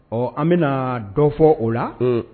Ɔ an bɛna na dɔ fɔ o la